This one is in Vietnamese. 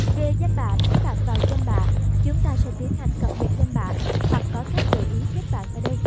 về danh bạ các bạn vào danh bạ chúng ta sẽ tiến hành cập nhật danh bạ hoặc có các gợi ý kết bạn ở đây